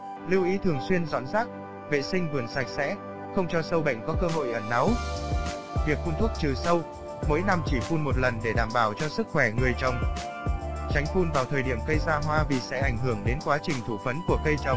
lưu ý thường xuyên dọn rác vệ sinh vườn sạch sẽ không cho sâu bệnh có cơ hội ẩn náu việc phun thuốc trừ sâu mỗi năm chỉ phun lần để đảm bảo sức khỏe cho người trồng tránh phun vào thời điểm cây ra hoa vì sẽ ảnh hưởng đến quá trình thụ phấn của cây trồng